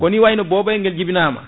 ko ni wayne boboyel guel jibinama